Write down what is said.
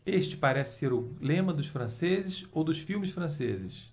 este parece ser o lema dos franceses ou dos filmes franceses